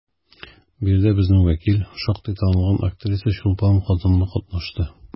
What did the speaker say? Биредә безнең вәкил, шактый танылган актриса Чулпан Казанлы катнашты.